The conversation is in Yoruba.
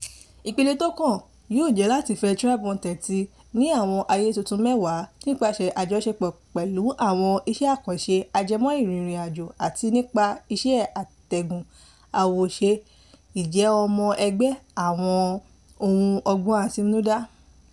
Ìpele tí ó kàn yóò jẹ́ láti fẹ TribeWanted si ní àwọn àyè tuntun mẹ́wàá, nípasẹ̀ àjọṣepọ̀ pẹ̀lú àwọn iṣẹ́ àkànṣe ajẹmọ́ ìrìnrìn-àjò àti nípa ṣíṣe àtẹ̀gùn àwòṣe ìjẹ́ ọmọ ẹgbẹ́ àwọn ohun ọgbọ́n àtinudá.